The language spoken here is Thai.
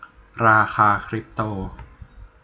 ราคาคริปโต